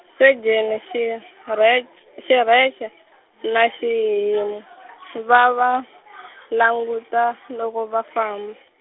Sejeni Xirhec- Xirheche na Xihimu, va va, languta loko va famb-.